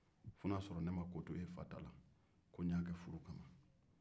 fo n'a y'a sɔrɔ ne ma ko to e fa ta la